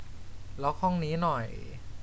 ล็อคห้องนี้หน่อย